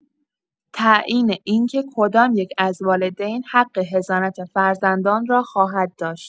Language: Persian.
تعیین اینکه کدام‌یک از والدین حق حضانت فرزندان را خواهد داشت